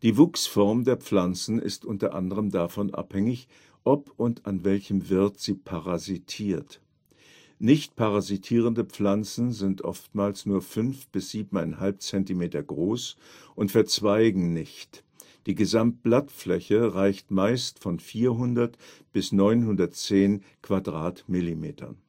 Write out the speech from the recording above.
Wuchsform der Pflanzen ist unter anderem davon abhängig, ob und an welchem Wirt sie parasitiert. Nichtparasitierende Pflanzen sind oftmals nur 5 bis 7,5 Zentimeter groß und verzweigen nicht, die Gesamtblattfläche reicht meist von 400 bis 910 Quadratmillimetern